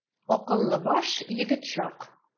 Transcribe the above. Акыллы баш, егет чак.